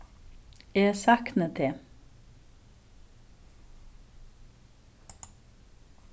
eg sakni teg